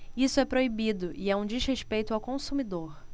isso é proibido e é um desrespeito ao consumidor